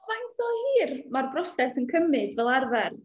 Faint o hir mae'r broses yn cymryd fel arfer?